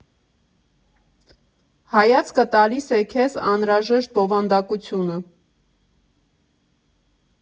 Հայացքը տալիս է քեզ անհրաժեշտ բովանդակությունը։